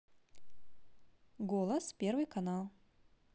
голос первый канал